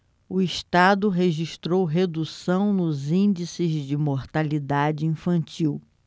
o estado registrou redução nos índices de mortalidade infantil